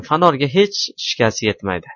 fanorga hech shikast tegmadi